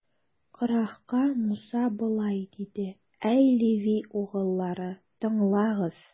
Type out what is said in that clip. Корахка Муса болай диде: Әй Леви угыллары, тыңлагыз!